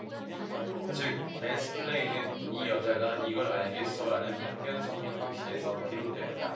즉 맨스플레인은 이 여자가 이걸 알겠어 라는 편견 섞인 확신에서 비롯된다